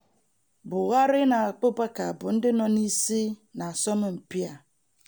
Buhari na Abubakar bụ ndị nọ n'isi n'asọmụmpi a.